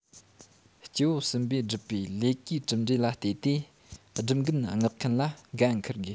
སྐྱེ བོ གསུམ པས བསྒྲུབས པའི ལས ཀའི གྲུབ འབྲས ལ བལྟོས ཏེ སྒྲུབ འགན མངགས མཁན ལ འགན འཁུར དགོས